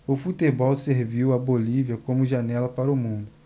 o futebol serviu à bolívia como janela para o mundo